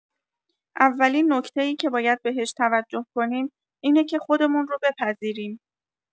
اولین نکته‌ای که باید بهش توجه کنیم اینه که خودمون رو بپذیریم.